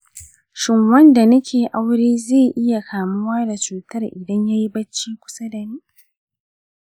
shin wanda nike aure zai iya kamuwa da cutar idan yayi bacci kusa dani?